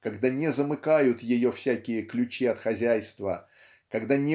когда не замыкают ее всякие ключи от хозяйства когда